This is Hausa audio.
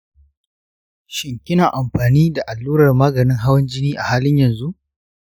shin kina amfani da allurar maganin hawan jini a halin yanzu?